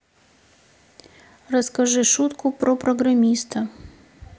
расскажи шутку про программиста